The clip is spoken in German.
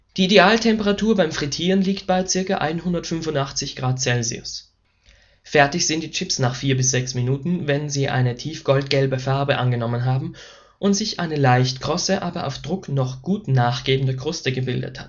Die Idealtemperatur beim Frittieren liegt bei ca. 185 Grad Celsius. Fertig sind die Chips nach vier bis sechs Minuten, wenn sie eine tief goldgelbe Farbe angenommen haben und sich eine leicht krosse, aber auf Druck noch gut nachgebende Kruste gebildet